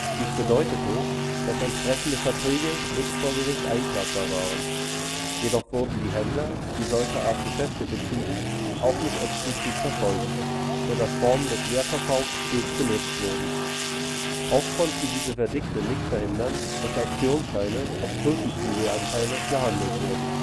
Dies bedeutete, dass entsprechende Verträge nicht vor Gericht einklagbar waren. Jedoch wurden die Händler, die solcherart Geschäfte betrieben, auch nicht explizit verfolgt, so dass Formen des Leerverkaufs stets genutzt wurden. Auch konnten diese Verdikte nicht verhindern, dass Optionsscheine auf Tulpenzwiebelanteile gehandelt wurden